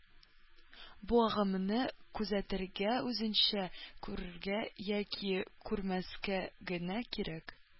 Бу агымны күзәтергә, үзеңчә күрергә, яки күрмәскә генә кирәк